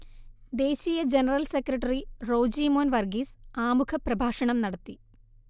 ദേശീയ general secretary Rojimon Varghese ആമുഖപ്രഭാഷണം നടത്തി